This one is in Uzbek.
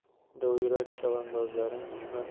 dovyurak chavandozlaring dushman